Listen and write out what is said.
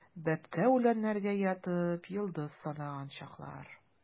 Бәбкә үләннәргә ятып, йолдыз санаган чаклар.